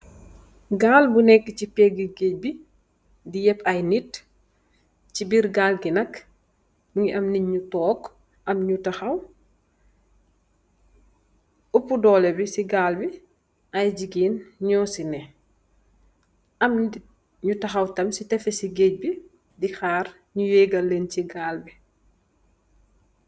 Gaal bu nekuh si pegeh guage bi di yepp aye nit si birr gaal bi nak munge nit nyu tok am nyu takhaw opu duper si gaal bi aye gigeen leen